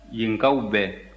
yenkaw bɛɛ